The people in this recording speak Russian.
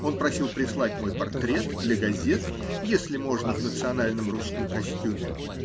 Он просил прислать мой портрет для газет -- если можно, в национальном русском костюме.